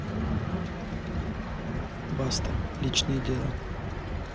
баста личное дело